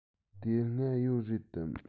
དེ སྔ ཡོད རེད དམ